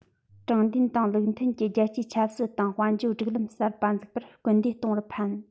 དྲང བདེན དང ལུགས མཐུན གྱི རྒྱལ སྤྱིའི ཆབ སྲིད དང དཔལ འབྱོར སྒྲིག ལམ གསར པ འཛུགས པར སྐུལ འདེད གཏོང བར ཕན